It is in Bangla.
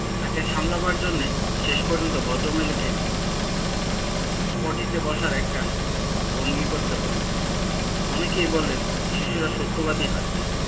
তাকে সামলাবার জন্যে শেষ পর্যন্ত ভদ্রমহিলাকে পটি তে বসার একটা ভঙ্গি করতে হল অনেকেই বলেন শিশুরা সত্যবাদী হয়